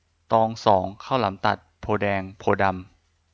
ตองสองข้าวหลามตัดโพธิ์แดงโพธิ์ดำ